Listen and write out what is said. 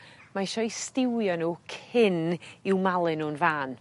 mae isio'u stiwio n'w cyn i'w malu nw'n fân.